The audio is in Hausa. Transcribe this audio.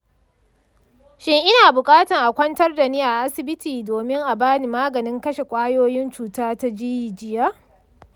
shin ina buƙatar a kwantar da ni a asibiti domin a ba ni maganin kashe ƙwayoyin cuta ta jijiya?